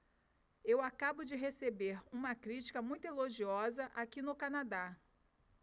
eu acabo de receber uma crítica muito elogiosa aqui no canadá